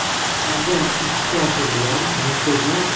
shulardan ikkitasi bilan muntazam